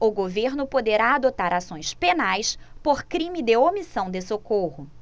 o governo poderá adotar ações penais por crime de omissão de socorro